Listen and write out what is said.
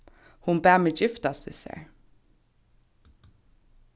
hon bað meg giftast við sær